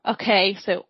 oce so